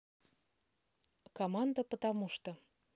команда потому что